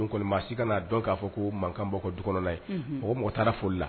Kɔni ma si kan'a dɔn k'a fɔ ko mankan b'aw ka dukɔnɔna ye, unhun, o mɔgɔ o mɔgɔ taara foli la